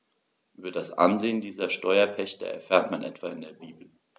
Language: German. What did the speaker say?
Über das Ansehen dieser Steuerpächter erfährt man etwa in der Bibel.